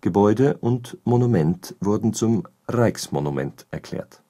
Gebäude und Monument wurden zum Rijksmonument erklärt